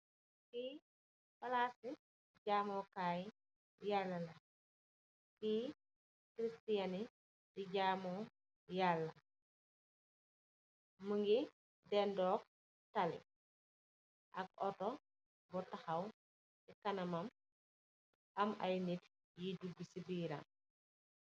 Fii, palaasu jaamoo kaay Yaala la. Fii kiristiyeen yi, di jaamoo, Yaala. Ñu ngi dendoog tali, ak Otto, bu taxaw si kanamam, am ay nit yuy dugu si biiram.